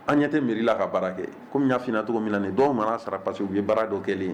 An ɲɛ tɛ mairie la ka baara kɛ. Komi n ya fi ɲɛa cogo min na . Dɔw mana sara parceque u ye baara dɔ kelen ye.